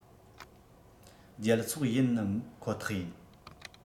རྒྱལ ཚོགས ཡིན ནམ པ ཁོ ཐག ཡིན